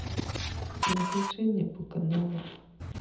переключение по каналам